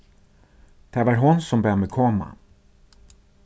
tað var hon sum bað meg koma